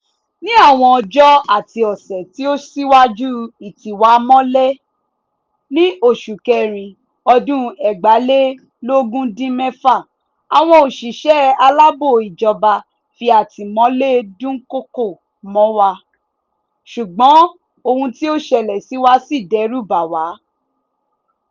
Ní àwọn ọjọ́ àti ọ̀sẹ̀ tí ó síwájú ìtìwámọ́lé ní oṣù Kẹrin ọdún 2014, àwọn òṣìṣẹ́ aláàbò ìjọba fi àtìmọ́lé dúnkòokò mọ́ wa, ṣùgbọ́n ohun tí ó ṣẹlẹ̀ sí wa si dẹ́rùbà wá.